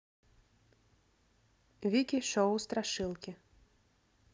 вики шоу страшилки